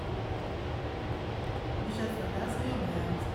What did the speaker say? Bortsett fra det, så jobber jeg også.